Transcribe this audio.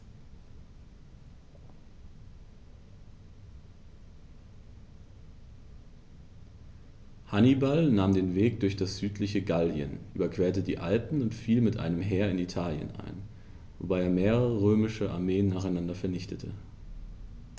Hannibal nahm den Landweg durch das südliche Gallien, überquerte die Alpen und fiel mit einem Heer in Italien ein, wobei er mehrere römische Armeen nacheinander vernichtete.